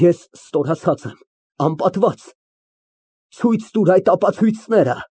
Ես ստորացած եմ, անպատված։ Ցույց տուր այդ ապացույցները։